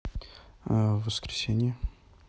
а в воскресенье